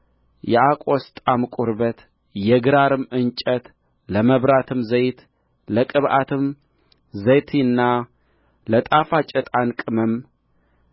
የአቆስጣም ቁርበት የግራርም እንጨት ለመብራትም ዘይት ለቅብዓት ዘይትና ለጣፋጭ ዕጣን ቅመም